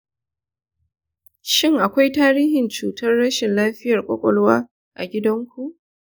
shin akwai tarihin cutar rashin lafiyar ƙwaƙwalwa a danginku?